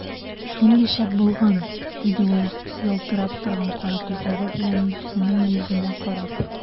Шундый шәп булган! - диде ул ялтырап торган кара күзләре белән дусының йөзенә карап.